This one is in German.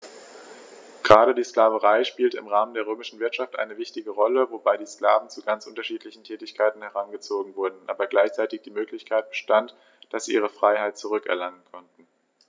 Gerade die Sklaverei spielte im Rahmen der römischen Wirtschaft eine wichtige Rolle, wobei die Sklaven zu ganz unterschiedlichen Tätigkeiten herangezogen wurden, aber gleichzeitig die Möglichkeit bestand, dass sie ihre Freiheit zurück erlangen konnten.